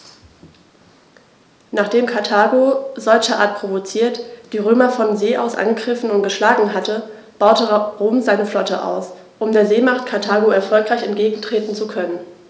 Nachdem Karthago, solcherart provoziert, die Römer von See aus angegriffen und geschlagen hatte, baute Rom seine Flotte aus, um der Seemacht Karthago erfolgreich entgegentreten zu können.